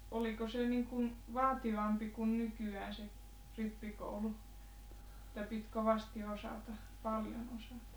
oliko se niin kuin vaativampi kuin nykyään se rippikoulu että piti kovasti osata paljon osata